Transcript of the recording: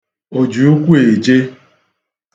òjìụkwụēje